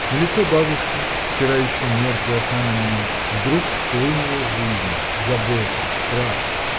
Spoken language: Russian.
На лицо бабушки, вчера еще мертвое, каменное, вдруг хлынула жизнь, забота, страх.